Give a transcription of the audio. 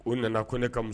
U nana ko ne ka m